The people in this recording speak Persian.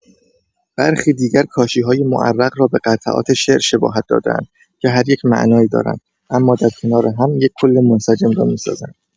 برخی دیگر کاشی‌های معرق را به قطعات شعر شباهت داده‌اند که هر یک معنایی دارند اما در کنار هم، یک کل منسجم را می‌سازند.